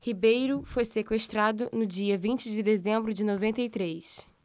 ribeiro foi sequestrado no dia vinte de dezembro de noventa e três